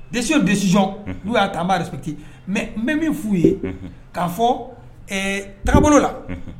Décision décision n'u y'a ta an b'a respecté mais n bɛ min f'u ye , unhun, k'a fɔ takabolo la, unhun